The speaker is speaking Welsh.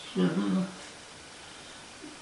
M-hm.